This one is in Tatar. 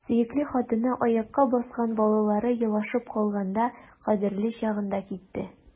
Сөекле хатыны, аякка баскан балалары елашып калганда — кадерле чагында китте!